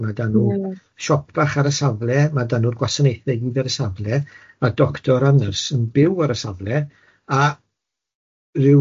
Ma' 'dan n'w siop bach ar y safle, ma' 'dan nw'r gwasanaethe i gyd ar y safle, a'r doctor a nyrs yn byw ar y safle a ryw